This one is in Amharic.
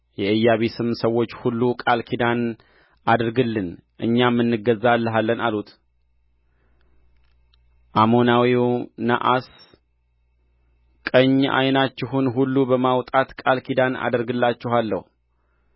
የኢያቢስም ሰዎች ሁሉ ቃል ኪዳን አድርግልን እኛም እንገዛልሃለን አሉት አሞናዊውም ናዖስ ቀኝ ዓይናችሁን ሁሉ በማውጣት ቃል ኪዳን አደርግላችኋለሁ